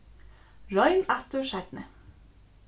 royn aftur seinni